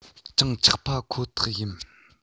ཅུང ཆག པ ཁོ ཐག ཡིན